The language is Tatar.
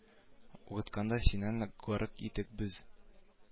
Укытканда да синнән гарык идек без